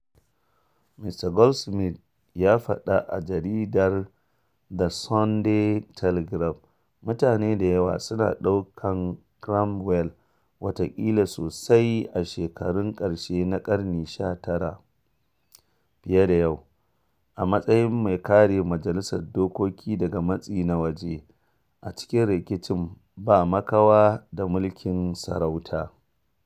Mista Goldsmith ya faɗa a jaridar The Sunday Telegraph: “Mutane da yawa suna ɗaukan Cromwell, watakila sosai a shekarun karshe na karni na 19 fiye da yau, a matsayin mai kare majalisar dokoki daga matsi na waje, a cikin rikicin ba makawa da mulkin sarauta.